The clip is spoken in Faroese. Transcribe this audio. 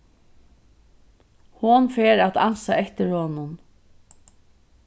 hon fer at ansa eftir honum